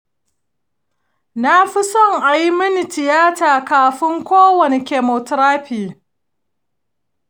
na fi son a yi min tiyata kafin kowanne chemotherapy.